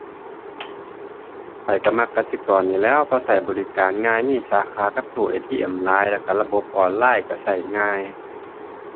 ข้อยก็มักกสิกรนี้แหล้ว เพราะก็บริการง่าย มีสาขากับตู้ ATM หลาย แล้วก็ระบบออนไลน์ก็ก็ง่าย